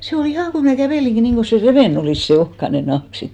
se oli ihan kävelinkin niin kuin se revennyt olisi se ohkainen nahka sitten